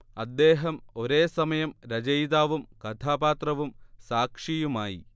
അദ്ദേഹം ഒരേസമയം രചയിതാവും കഥാപാത്രവും സാക്ഷിയുമായി